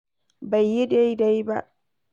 Bai Yi Daida Ba